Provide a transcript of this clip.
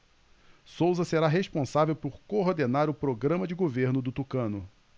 souza será responsável por coordenar o programa de governo do tucano